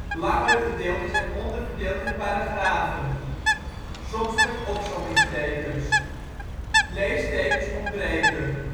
Langere gedeelten zijn onderverdeeld in paragrafen, soms met opsommingstekens. Leestekens ontbreken